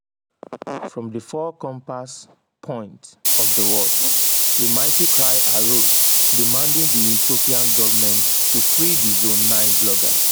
From the four-compass points of the world, a mighty cry arose demanding the Ethiopian government to free the Zone9 bloggers.